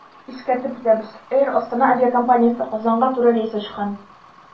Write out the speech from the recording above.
Искәртеп үтәбез, “Эйр Астана” авиакомпаниясе Казанга туры рейс ачкан.